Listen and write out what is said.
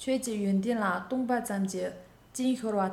ཁྱོད ཀྱི ཡོན ཏན ལ བཏུངས པ ཙམ གྱིས གཅིན ཤོར བ